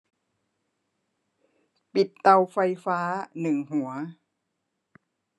ปิดเตาไฟฟ้าหนึ่งหัว